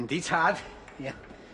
Yndi tad. Ie.